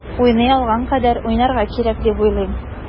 Уйный алган кадәр уйнарга кирәк дип уйлыйм.